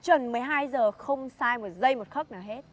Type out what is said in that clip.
chuẩn mười hai giờ không sai một dây một khấc nào hết